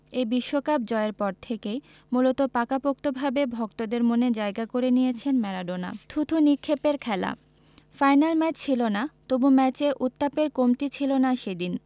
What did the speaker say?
এই বিশ্বকাপ জয়ের পর থেকেই মূলত পাকাপোক্তভাবে ভক্তদের মনে জায়গা করে নিয়েছেন ম্যারাডোনা থুতু নিক্ষেপের খেলা ফাইনাল ম্যাচ ছিল না তবু ম্যাচে উত্তাপের কমতি ছিল না সেদিন